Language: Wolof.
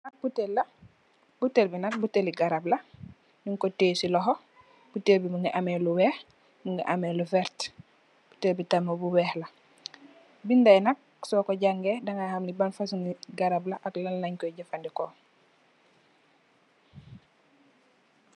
Li nak buteel la, buteel bi nak, buteel li garab la nung ko tè ci loho. Buteel bi mungi ameh lu weeh, mungi ameh lu vert. Buteel bi tamit bu weeh la. Binda yi nak soko jàngay daga ham li ban fasung ngi garab la ak lan leen koy jafadeko.